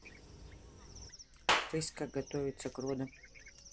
рысь как готовится к родом